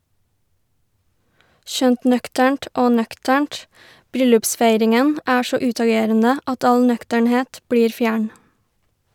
Skjønt nøkternt og nøkternt bryllupsfeiringen er så utagerende at all nøkternhet blir fjern.